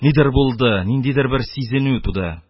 Нидер булды, ниндидер бер сизенү туды.